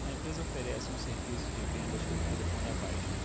a empresa oferece um serviço de vendas pelo telefone abaixo